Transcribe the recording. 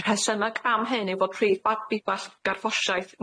Y rhesymeg am hyn yw bod prif ba- biball garffosiaeth